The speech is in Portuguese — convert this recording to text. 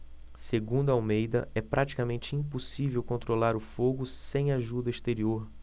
segundo almeida é praticamente impossível controlar o fogo sem ajuda exterior